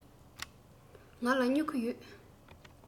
ང ལ སྨྱུ གུ ཡོད